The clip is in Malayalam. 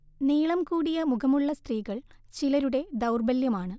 നീളം കൂടിയ മുഖമുള്ള സ്ത്രീകൾ ചിലരുടെ ദൗർബല്യമാണ്